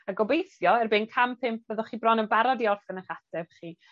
A gobeithio erbyn cam pump fyddwch chi bron yn barod i orffen 'ych ateb chi.